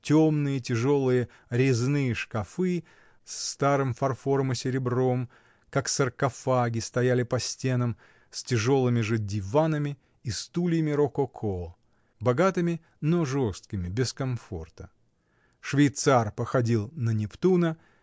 темные, тяжелые резные шкафы с старым фарфором и серебром, как саркофаги, стояли по стенам с тяжелыми же диванами и стульями рококо, богатыми, но жесткими, без комфорта. Швейцар походил на Нептуна